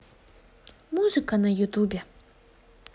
музыка на ютубе